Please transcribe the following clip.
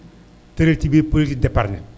tëral ci biir projet d' épargne